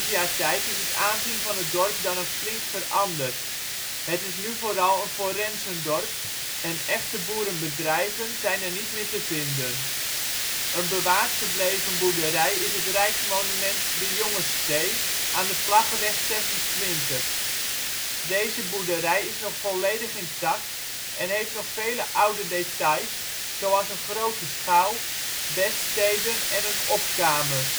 jaar tijd is het aanzien van het dorp dan ook flink veranderd. Het is nu vooral een forensendorp en " echte " boerenbedrijven zijn er niet meer te vinden. Een bewaard gebleven boerderij is het rijksmonument " De Jonge Stee " aan de Plaggeweg 26. Deze boerderij is nog volledig intact en heeft nog vele oude details zoals een grote schouw, bedsteden en een opkamer